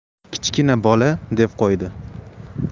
kichkina bola deb qo'ydi